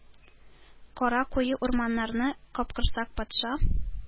Кара куе урманнарны капкорсак патша